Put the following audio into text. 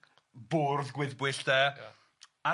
bwrdd gwyddbwyll de, ia,